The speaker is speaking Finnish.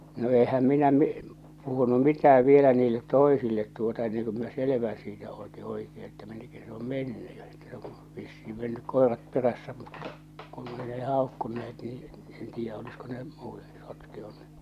no enhän minä - puhunut mitään vielä niille toisille tuota ennen kuin minä selvää siitä otin oikein että minne käsin se on mennyt ja että se on vissiin mennyt koirat perässä mutta kun ei ne haukkuneet niin en tiedä olisiko ne muut sotkeutuneet